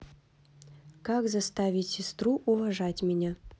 как заставить сестру уважать меня